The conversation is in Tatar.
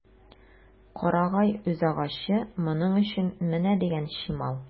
Карагай үзагачы моның өчен менә дигән чимал.